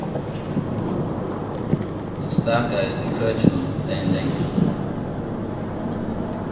hann stákaðist í køkinum dagin langan